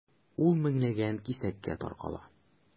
Ул меңләгән кисәккә таркала.